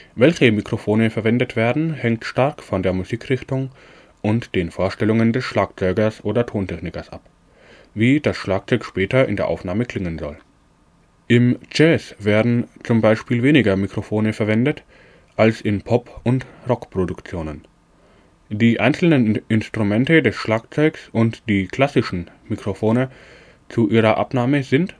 Welche Mikrofone verwendet werden, hängt stark von der Musikrichtung und den Vorstellungen des Schlagzeugers oder Tontechnikers ab, wie das Schlagzeug später in der Aufnahme klingen soll. Im Jazz werden zum Beispiel weniger Mikrofone verwendet als in Pop - und Rockproduktionen. Die einzelnen Instrumente des Schlagzeugs und die „ klassischen “Mikrofone zu ihrer Abnahme sind